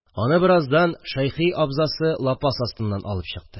Аны бераздан Шәйхи абзасы лапас астыннан алып чыкты